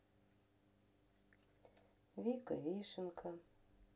вика вишенка